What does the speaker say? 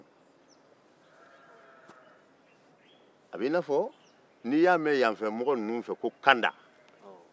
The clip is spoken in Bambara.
a i n'a fɔ n'i y'a mɛn yanfɛmɔgɔ ninnu fɛ ko kanda